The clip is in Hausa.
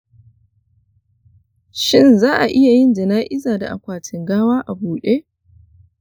shin za a iya yin jana’iza da akwatin gawa a buɗe?